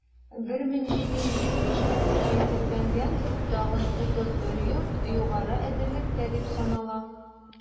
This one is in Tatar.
1770 фатирга исәпләнгән тагын 31 йорт югары әзерлектә дип санала.